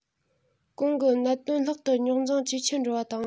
གོང གི གནད དོན ལྷག ཏུ རྙོག འཛིང ཇེ ཆེར འགྲོ བ དང